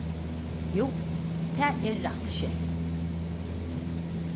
jú tað er rætt skilt